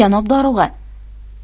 janob dorug'a